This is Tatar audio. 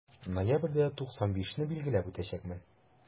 Ноябрьдә 95 не билгеләп үтәчәкмен.